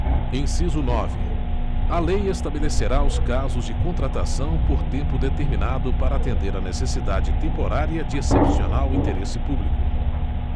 inciso nove a lei estabelecerá os casos de contratação por tempo determinado para atender a necessidade temporária de excepcional interesse público